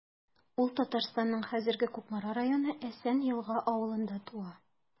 Ул Татарстанның хәзерге Кукмара районы Әсән Елга авылында туа.